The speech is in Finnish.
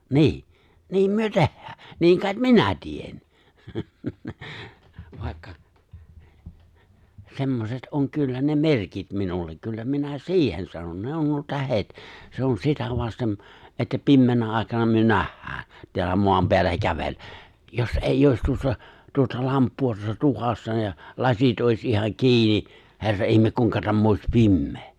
niin niin me tehdään niin kai minä teen vaikka semmoiset on kyllä ne merkit minulle kyllä minä siihen sanon ne on nuo tähdet se on sitä vasten että pimeänä aikana me nähdään täällä maan päällä kävellä jos ei olisi tuossa tuota lamppua tuossa tukassa ja lasit olisi ihan kiinni herra ihme kuinka tämä olisi pimeä